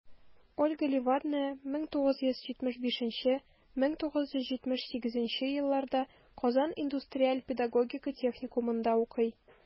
Ольга Левадная 1975-1978 елларда Казан индустриаль-педагогика техникумында укый.